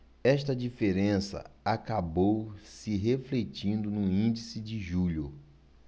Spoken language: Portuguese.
esta diferença acabou se refletindo no índice de julho